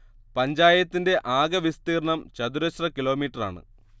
പഞ്ചായത്തിന്റെ ആകെ വിസ്തീർണം ചതുരശ്ര കിലോമീറ്ററാണ്